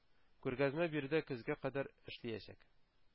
Күргәзмә биредә көзгә кадәр эшләячәк